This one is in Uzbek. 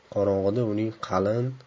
qorong'ida uning qalin